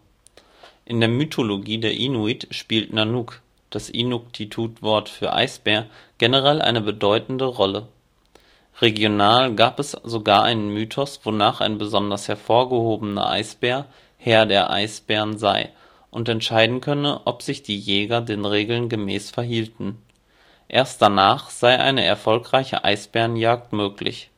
In der Mythologie der Inuit spielt Nanuq (englisch geschrieben: Nanook), das Inuktitut-Wort für Eisbär, generell eine bedeutende Rolle. Regional gab es sogar einen Mythos, wonach ein besonders hervorgehobener Eisbär „ Herr der Eisbären “sei und entscheiden könne, ob sich die Jäger den Regeln gemäß verhielten; erst danach sei eine erfolgreiche Eisbärenjagd möglich